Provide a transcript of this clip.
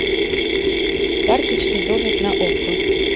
карточный домик на окко